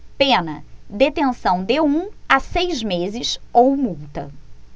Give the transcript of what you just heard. pena detenção de um a seis meses ou multa